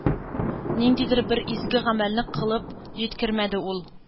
Ниндидер бер изге гамәлне кылып җиткермәде ул.